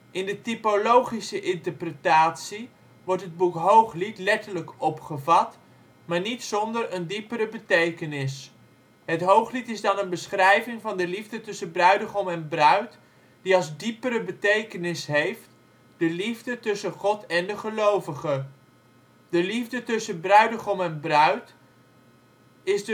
In de typologische interpretatie wordt het boek Hooglied letterlijk opgevat, maar niet zonder een diepere betekenis. Het Hooglied is dan een beschrijving van de liefde tussen bruidegom en bruid, die als diepere betekenis heeft: de liefde tussen God en de gelovige. De liefde tussen bruidegom en bruid is